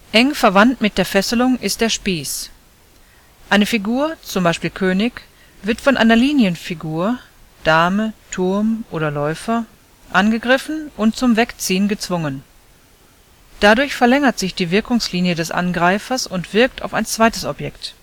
Eng verwandt mit der Fesselung ist der Spieß: Eine Figur (z. B. König) wird von einer Linienfigur (Dame, Turm oder Läufer) angegriffen und zum Wegziehen gezwungen. Dadurch verlängert sich die Wirkungslinie des Angreifers und wirkt auf ein zweites Objekt